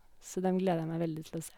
Så dem gleder jeg meg veldig til å se.